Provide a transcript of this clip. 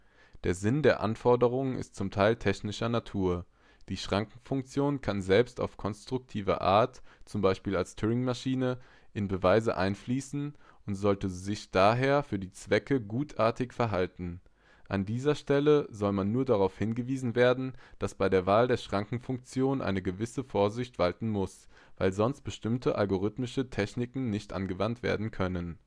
Der Sinn der Anforderungen ist zum Teil technischer Natur. Die Schrankenfunktion kann selbst auf konstruktive Art (zum Beispiel als Turingmaschine) in Beweise einfließen und sollte sich daher für diese Zwecke „ gutartig “verhalten. An dieser Stelle soll nur darauf hingewiesen werden, dass bei der Wahl der Schrankenfunktion eine gewisse Vorsicht walten muss, weil sonst bestimmte algorithmische Techniken nicht angewandt werden können